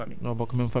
ñoom ñoo bokk